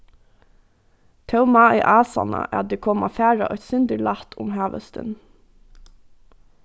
tó má eg ásanna at eg kom at fara eitt sindur lætt um havhestin